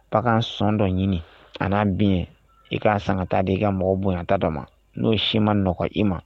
Pa sɔn dɔ ɲini a n'a bin i k'a san kata de i ka mɔgɔ bonyata dɔ ma n'o si ma n nɔgɔɔgɔ i ma